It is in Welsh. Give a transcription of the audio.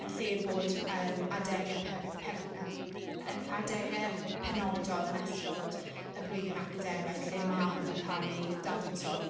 Yn lle bod yym adegau pe- perth- yym... yn adegau penodol yn ystod y blwyddyn academaidd lle ma' hwn yn cael ei dadansoddi.